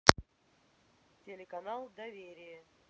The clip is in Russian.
телеканал доверие